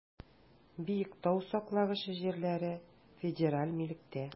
Биектау саклагычы җирләре федераль милектә.